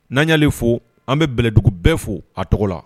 N'an ɲalen fo an bɛ bɛlɛdugu bɛɛ fo a tɔgɔ la